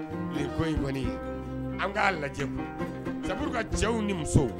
Le kɔ ye ye an k'a lajɛ jauru ka cɛw ni musow